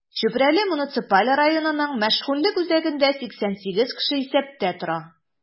Чүпрәле муниципаль районының мәшгульлек үзәгендә 88 кеше исәптә тора.